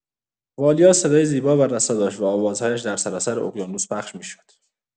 والیا صدایی زیبا و رسا داشت و آوازهایش در سراسر اقیانوس پخش می‌شد.